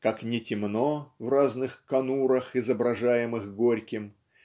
Как ни темно в разных конурах изображаемых Горьким